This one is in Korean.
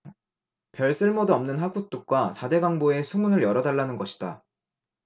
별 쓸모도 없는 하굿둑과 사 대강 보의 수문을 열어달라는 것이다